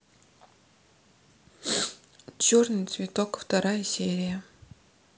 черный цветок вторая серия